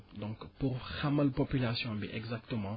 donc pour xamal population bi exactement